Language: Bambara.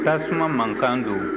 tasuma mankan don